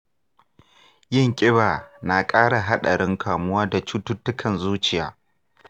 yin kiba na ƙara haɗarin kamuwa da cututtukan zuciya.